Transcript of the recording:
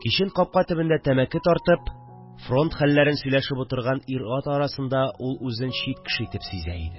Кичен капка төбендә тәмәке тартып, фронт хәлләрен сөйләшеп утырган ир-ат арасында ул үзен чит кеше итеп сизә иде